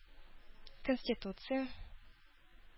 Конституция